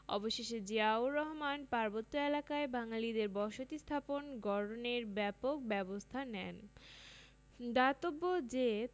অবশেষে জিয়াউর রহমান পার্বত্য এলাকায় বাঙালিদের বসতী স্থাপন গড়নের ব্যাপক ব্যবস্তা নেন জ্ঞাতব্য যে